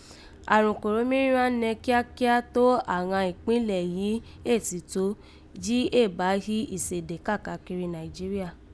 Àrùn kòró mí rànnẹ kíákíá tó àghan ìkpínlẹ̀ yìí éè tì tó jí éè bá hí ìséde káàkiri Nàìjíríà